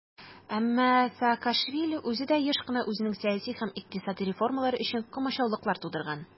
Әмма Саакашвили үзе дә еш кына үзенең сәяси һәм икътисади реформалары өчен комачаулыклар тудырган.